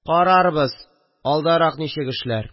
Карарбыз, алдарак ничек эшләр